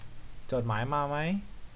จดหมายมาไหม